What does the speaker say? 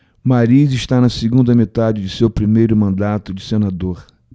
mariz está na segunda metade do seu primeiro mandato de senador